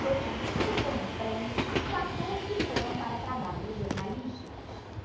dos vinte e um prêmios quatorze foram para trabalhos jornalísticos